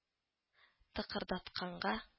Тыкырдатканга